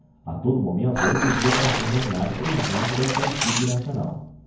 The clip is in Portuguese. a todo momento ele pedia para ser nomeado presidente de itaipu binacional